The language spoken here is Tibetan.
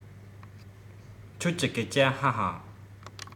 ཁྱོད ཀྱི སྐད ཆ ཧ ཧ